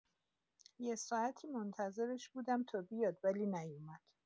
یه ساعتی منتظرش بودم تا بیاد، ولی نیومد.